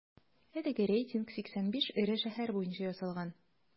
Әлеге рейтинг 85 эре шәһәр буенча ясалган.